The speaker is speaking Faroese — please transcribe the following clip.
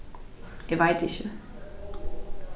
eg veit ikki